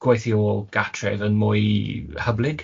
gweithio o gartref yn mwy hyblyg?